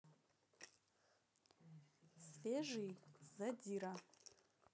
свежий задира